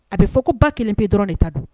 A bɛ fɔ ko ba kelen pe dɔrɔn de ta don